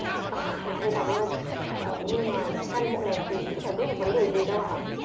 à em cảm ơn ờ nhưng mà căn hộ đẹp thì cũng giải quyết được vấn đề gì đâu ạ